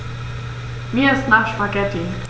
Mir ist nach Spaghetti.